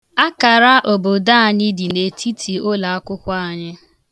Akara obodo anyị dị n'etiti ụlọakwụkwọ anyị.